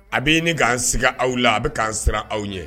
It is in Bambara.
A bɛ k'an s aw la a bɛ k'an siran aw ɲɛ